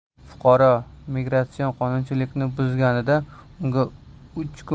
fuqaro migratsion qonunchilikni buzganida unga uch kun